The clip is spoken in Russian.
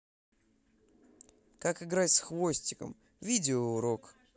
как играть с хвостиком видеоурок